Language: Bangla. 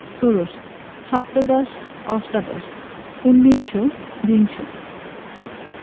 ষোড়শ সপ্তদশ অষ্টাদশ উনবিংশ বিংশ